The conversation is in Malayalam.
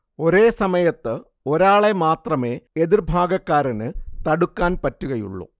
ഒരേ സമയത്ത് ഒരാളെ മാത്രമേ എതിര്‍ഭാഗക്കാരന് തടുക്കാൻ പറ്റുകയുള്ളു